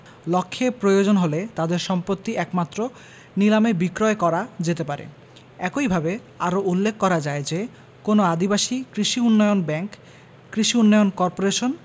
লক্ষে প্রয়োজন হলে তাদের সম্পত্তি একমাত্র নিলামে বিক্রয় করা যেতে পারে একইভাবে আরো উল্লেখ করা যায় যে কোন আদিবাসী কৃষি উন্নয়ন ব্যাংক কৃষি উন্নয়ন কর্পোরেশন